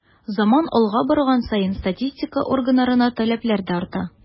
Заман алга барган саен статистика органнарына таләпләр дә арта.